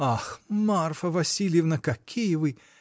— Ах, Марфа Васильевна, какие вы!